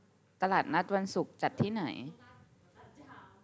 ตลาดนัดวันศุกร์จัดที่ไหน